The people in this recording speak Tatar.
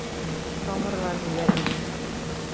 Тамырлар җибәрелгән.